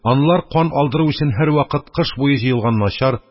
Анлар кан алдыру өчен һәрвакыт кыш буе җыелган начар,